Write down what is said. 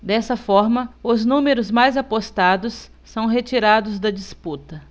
dessa forma os números mais apostados são retirados da disputa